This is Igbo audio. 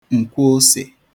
nkwọose